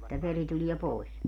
että veri tulee pois